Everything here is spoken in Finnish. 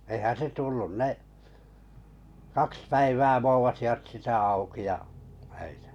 eihän se tullut ne kaksi päivää voovasivat sitä auki ja öitä